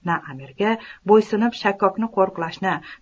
na amirga bo'ysunib shakkokni qo'riqlashni